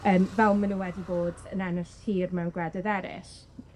Yym fel ma' nw wedi bod yn ennill tir mewn gwledydd eryll.